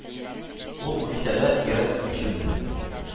Ул үлчәде йөрәк көчемне.